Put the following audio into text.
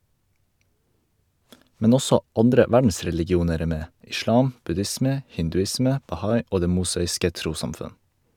Men også andre verdensreligioner er med - islam, buddhisme , hinduisme, bahai og det mosaiske trossamfunn.